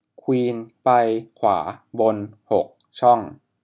ควีนไปขวาบนหกช่อง